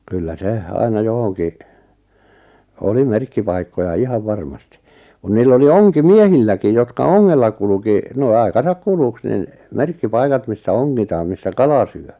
kyllä se aina johonkin oli merkkipaikkoja ihan varmasti kun niillä oli onkimiehilläkin jotka ongella kulki noin aikansa kuluksi niin merkkipaikat missä ongitaan missä kala syö